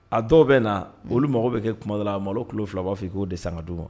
A dɔw bɛ naa olu mago bɛ kɛ kumadɔ la ka malo kilo 2 u b'a fɔ i k'o de san ka d'u ma